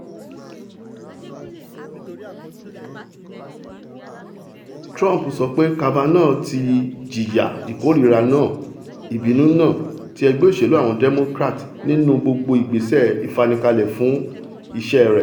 Trump sọ pé Kavanaugh ti ''jìya ìkórìíra náà, ìbínú náà'' ti Ẹgbẹ́ Òṣèlú Àwọn Democrat nínú gbogbo ìgbésẹ̀ ìfanikalẹ̀ fún iṣẹ́ rẹ̀.